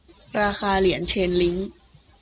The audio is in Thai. ราคาเหรียญเชนลิ้ง